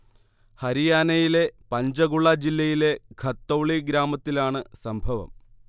ഹരിയാനയിലെ പഞ്ചഗുള ജില്ലയിലെ ഖത്തൗളി ഗ്രാമത്തിലാണ് സംഭവം